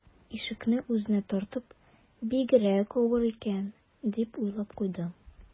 Ишекне үзенә тартып: «Бигрәк авыр икән...», - дип уйлап куйды